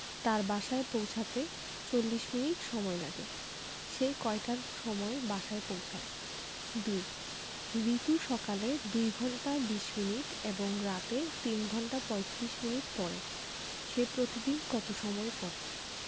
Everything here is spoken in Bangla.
তার বাসায় পৌছাতে ৪০ মিনিট সময়লাগে সে কয়টার সময় বাসায় পৌছায় ২ রিতু সকালে ২ ঘন্টা ২০ মিনিট এবং রাতে ৩ ঘণ্টা ৩৫ মিনিট পড়ে সে প্রতিদিন কত সময় পড়ে